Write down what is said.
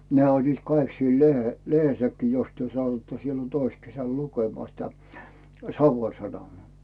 ne olivat kaikki siellä lehdessäkin jos te satuitte silloin toissa kesällä lukemaan sitä Savon Sanomia